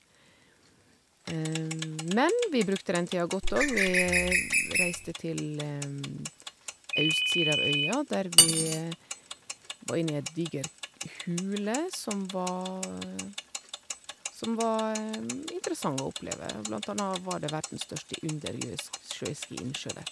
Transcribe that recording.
Men vi brukte den tiden godt òg, vi reiste til austsia av øya, der vi var inni en diger hule som var som var interessant å oppleve, blant anna var det verdens største underjøisk sjøiske innsjø der.